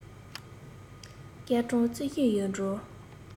སྐར གྲངས རྩི བཞིན ཡོད འགྲོ